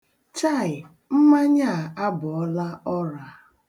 Chaị! Mmanya a abọọla ọra.